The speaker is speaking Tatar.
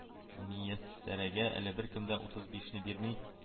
Мияссәрәгә әле беркем дә утыз бишне бирми